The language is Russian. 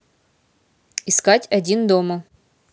искать один дома